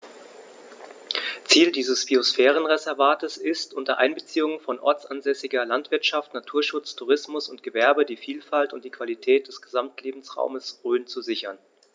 Ziel dieses Biosphärenreservates ist, unter Einbeziehung von ortsansässiger Landwirtschaft, Naturschutz, Tourismus und Gewerbe die Vielfalt und die Qualität des Gesamtlebensraumes Rhön zu sichern.